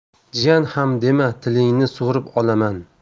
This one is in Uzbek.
jiyan ham dema tilingni sug'urib olaman